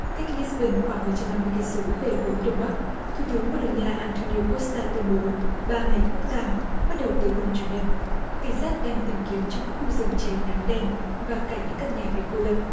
cách lít bần khoảng một trăm năm mươi cây số về hướng đông bắc thủ tướng bồ đào nha an tô ni cốt ta tuyên bố ba ngày quốc tang bắt đầu từ hôm chủ nhật cảnh sát đang tìm kiếm trong các khu rừng cháy nám đen và cả những căn nhà bị cô lập